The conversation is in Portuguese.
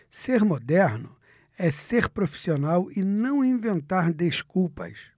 ser moderno é ser profissional e não inventar desculpas